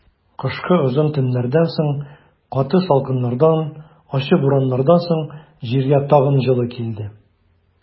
Кышкы озын төннәрдән соң, каты салкыннардан, ачы бураннардан соң җиргә тагын җылы килде.